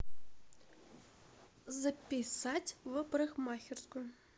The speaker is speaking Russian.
записать в парикмахерскую